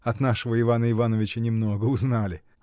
От нашего Ивана Ивановича не много узнали.